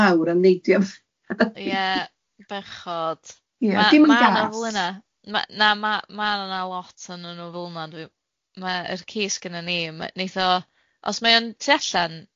a neidio fyny arna i . Ia bechod... Ia di'm yn gas... na ma- ma' 'na lot onyn nw fel 'na dwi- ma y ci sgenna ni ma- neith o, os mauo'n tu allan